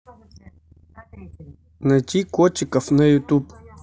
найти котиков на ютуб